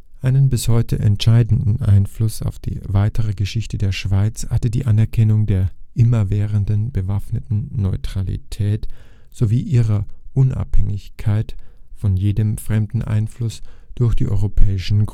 Einen bis heute entscheidenden Einfluss auf die weitere Geschichte der Schweiz hatte die Anerkennung der immerwährenden bewaffneten Neutralität sowie ihrer Unabhängigkeit von jedem fremden Einfluss durch die europäischen